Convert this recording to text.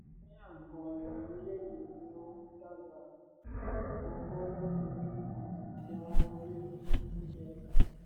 Kenya gan ni orílẹ̀-èdè tí-ó-ń-dàgbà àkọ́kọ́ láti ní ọ̀nà ìgbàwọlé Open Data.